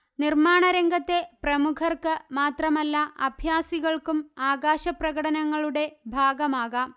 നിര്മാണ രംഗത്തെ പ്രമുഖര്ക്ക് മാത്രമല്ല അഭ്യാസികള്ക്കും ആകാശ പ്രകടനങ്ങളുടെ ഭാഗമാകാം